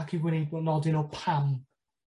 Ac i wneud wel nodyn o pam.